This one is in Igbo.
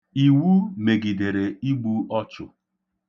Iwu megidere igbu ọchụ.